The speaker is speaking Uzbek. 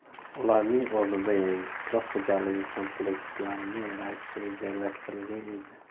ularning o'rnida yangi qishloq xo'jaligi komplekslarini yaratish rejalashtirilgan edi